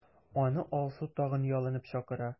Аны Алсу тагын ялынып чакыра.